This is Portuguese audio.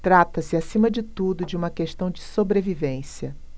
trata-se acima de tudo de uma questão de sobrevivência